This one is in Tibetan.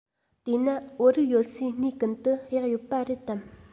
དེ ན བོད རིགས ཡོད སའི གནས ཀུན ཏུ གཡག ཡོད པ རེད དམ